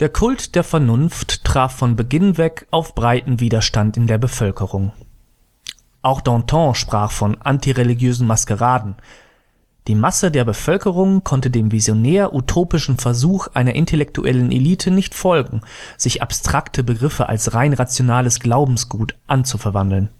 Kult der Vernunft traf von Beginn weg auf breiten Widerstand in der Bevölkerung. Auch Danton sprach von „ antireligiösen Maskeraden “. Die Masse der Bevölkerung konnte dem visionär-utopischen Versuch einer intellektuellen Elite nicht folgen, sich abstrakte Begriffe als rein rationales Glaubensgut anzuverwandeln